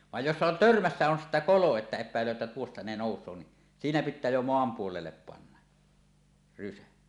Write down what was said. vaan jossa on törmässä on sitten kolo että epäilee että tuosta ne nousee niin siinä pitää jo maan puolelle panna rysä